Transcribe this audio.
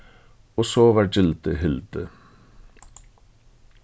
og so varð gildið hildið